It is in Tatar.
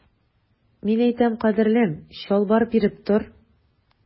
Мин әйтәм, кадерлем, чалбар биреп тор.